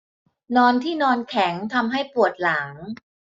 นอนที่นอนแข็งทำให้ปวดหลัง